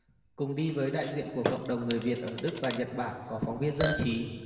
cùng đi với đại diện của cộng đồng người việt ở đức và nhật bản có phóng viên dân trí